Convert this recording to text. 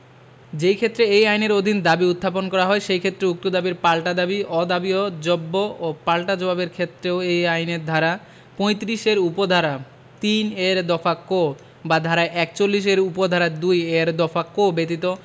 যেইক্ষেত্রে এই আইনের অধীন দাবী উত্থাপন করা হয় সেইক্ষেত্রে উক্ত দাবীর পাল্টা দাবী অদাবিয় জব্ব ও পাল্টা জবাবের ক্ষেত্রেও এই আইনের ধারা ৩৫ এর উপ ধারা ৩ এর দফা ক বা ধারা ৪১ এর উপ ধারা ২ এর দফা ক ব্যতীত